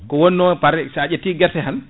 ko wonno par* sa ƴetti guerte tan